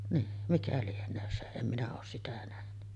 niin mikä lienee se en minä ole sitä nähnyt